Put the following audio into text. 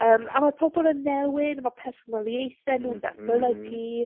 Yym... na ...a mae pobl yn newid a mae personaliaethau nhw'n... m-hm ...datblygu.